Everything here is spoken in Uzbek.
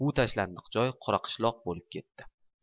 bu tashlandiq joy qoraqishloq bo'lib ketdi